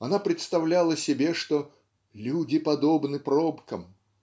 Она представляла себе, что "люди подобны пробкам